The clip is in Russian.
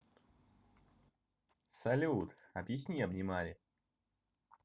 салют объясни обнимали